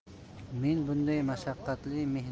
men bunday mashaqqatli